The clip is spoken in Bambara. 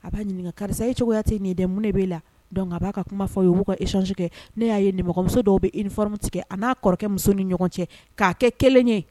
A b'a ɲininka karisa ye cogoya kuyate nin dɛmɛ mun de b'e la dɔn a b'a ka kuma fɔ ye b'u ka esɔn ne y'a yemɔgɔmuso dɔw bɛ i ni fɔlɔ tigɛ a n'a kɔrɔkɛ muso ni ɲɔgɔn cɛ k'a kɛ kelen ye